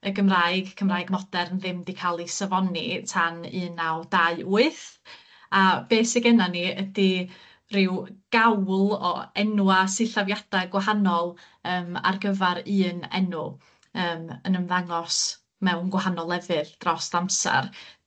y Gymraeg, Cymraeg modern ddim 'di ca'l ei safoni tan un naw dau wyth a be' sy genna ni ydi ryw gawl o enwa' sillafiada' gwahanol yym ar gyfar un enw yym yn ymddangos mewn gwahanol lefydd drost amsar.